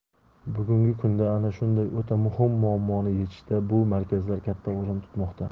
bugungi kunda ana shunday o'ta muhim muammoni yechishda bu markazlar katta o'rin tutmoqda